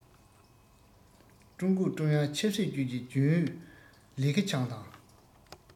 ཀྲུང གུང ཀྲུང དབྱང ཆབ སྲིད ཅུས ཀྱི རྒྱུན ཨུ ལི ཁེ ཆང དང